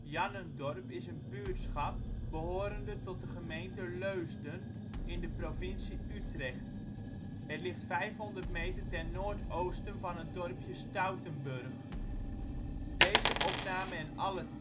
Jannendorp is een buurtschap behorende tot de gemeente Leusden, in de provincie Utrecht. Het ligt 500 meter ten noordoosten van het dorpje Stoutenburg. Plaatsen in de gemeente Leusden Dorpen: Achterveld · Leusden · Leusden-Zuid · Stoutenburg Buurtschappen: Asschat · Den Treek · De Ruif · Jannendorp · Moorst · Musschendorp · Oud-Leusden · Snorrenhoef Utrecht · Plaatsen in de provincie Nederland · Provincies · Gemeenten 52° 08 ' NB 5°